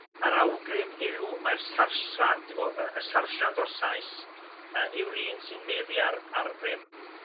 yr awgrym yw mae'r sarsiant o y sarsiant o'r Saes yy yw'r un sy'n meddu ar ar rym.